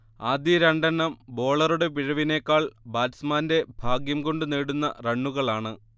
ആദ്യ രണ്ടെണ്ണം ബോളറൂടെ പിഴവിനേക്കാൾ ബാറ്റ്സ്മാന്റെ ഭാഗ്യംകൊണ്ടു നേടുന്ന റണ്ണുകളാണ്